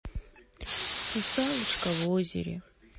русалочка в озере